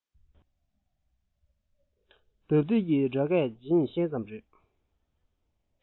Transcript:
ལྡབ ལྡིབ གྱི སྒྲ སྐད འབྱིན ཤེས ཙམ རེད